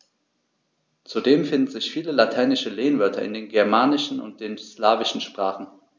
Zudem finden sich viele lateinische Lehnwörter in den germanischen und den slawischen Sprachen.